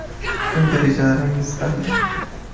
tungi rejalaringiz qanday